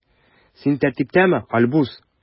Син тәртиптәме, Альбус?